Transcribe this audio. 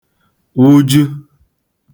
wụju